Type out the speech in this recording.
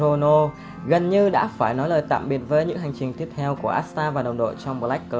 gần như đã phải nói lời tạm biệt với những hành trình tiếp theo của asta và đồng đội trong black clover